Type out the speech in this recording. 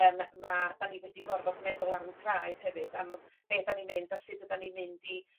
yym ma' 'dan ni wedi gorfod meddwl ar 'yn traed hefyd a ma' be' 'dan ni'n mynd a sud ydan ni'n mynd i